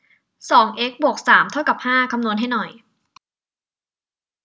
สองเอ็กซ์บวกสามเท่ากับห้าคำนวณให้หน่อย